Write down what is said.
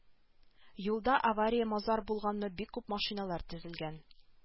Юлда авария-мазар булганмы бик күп машиналар тезелгән